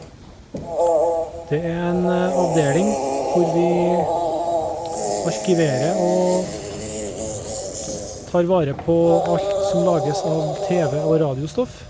Det er en avdeling hvor vi arkiverer og tar vare på alt som lages av TV- og radiostoff.